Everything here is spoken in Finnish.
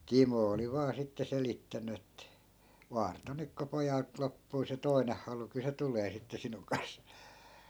Timo oli vain sitten selittänyt että vartoa nyt kun pojalta loppuu se toinen halu kyllä se tulee sitten sinun kanssa